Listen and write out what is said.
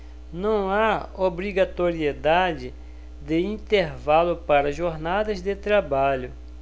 não há obrigatoriedade de intervalo para jornadas de trabalho